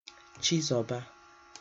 Chizoba